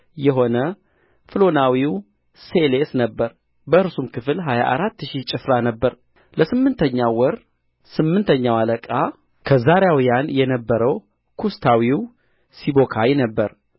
የሆነ ፍሎናዊው ሴሌስ ነበረ በእርሱም ክፍል ሀያ አራት ሺህ ጭፍራ ነበረ ለስምንተኛው ወር ስምንተኛው አለቃ ከዛራውያን የነበረው ኩሳታዊው ሲቦካይ ነበረ